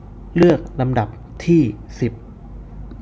เลือกลำดับที่สิบ